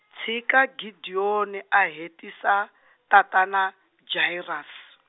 tshika Gideon a hetisa, tatana Jairus.